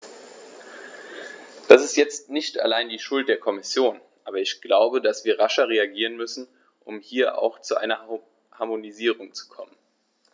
Das ist jetzt nicht allein die Schuld der Kommission, aber ich glaube, dass wir rascher reagieren müssen, um hier auch zu einer Harmonisierung zu kommen.